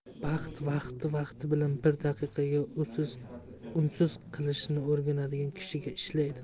baxt vaqti vaqti bilan bir daqiqaga unsiz qilishni o'rgangan kishiga ishlaydi